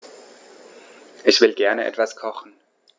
Ich will gerne etwas kochen.